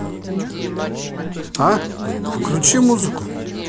а включи музыку